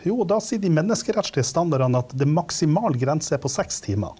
jo og da sier de menneskerettslige standardene at det maksimal grense er på seks timer.